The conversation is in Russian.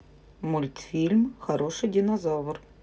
мультфильм хороший динозавр